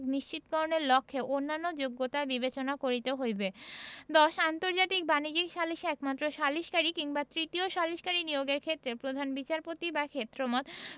নিশ্চিতকরণের লক্ষ্যে অন্যান্য যোগ্যতা বিবেচনা করিতে হইবে ১০ আন্তর্জাতিক বাণিজ্যিক সালিসে একমাত্র সালিসকারী কিংবা তৃতীয় সালিসকারী নিয়োগের ক্ষেত্রে প্রধান বিচারপতি বা ক্ষেত্রমত